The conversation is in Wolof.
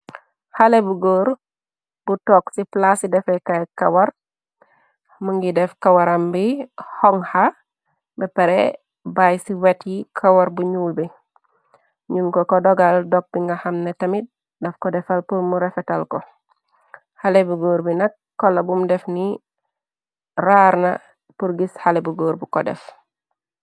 Xale bu góor bu took ci plaasi defe kay kowar më ngi def kowaram bi hongha bepare bayy ci wet yi kowar bu ñuul bi ñun ko ko dogal dog bi nga xamna tamit daf ko defal purmu refetal ko xale bu gór bi nak kola bum def ni raarna pur gis xale bu gór bu ko def.